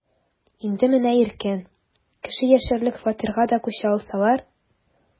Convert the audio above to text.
Инде менә иркен, кеше яшәрлек фатирга да күчә алсалар...